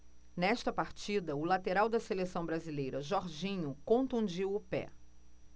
nesta partida o lateral da seleção brasileira jorginho contundiu o pé